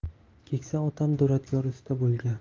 keksa otam duradgor usta bo'lgan